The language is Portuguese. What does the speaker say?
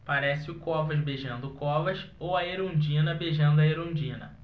parece o covas beijando o covas ou a erundina beijando a erundina